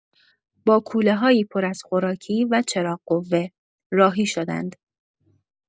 با کوله‌هایی پر از خوراکی و چراغ‌قوه، راهی شدند.